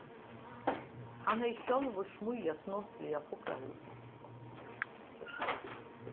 hann hevði sjálvur smíðað snotiliga fuglahúsið